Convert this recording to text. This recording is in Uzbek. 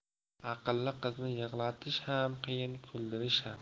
aqlli qizni yig'latish ham qiyin kuldirish ham